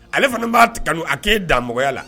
Ale fana b'a kanu a t'e dan mɔgɔya la.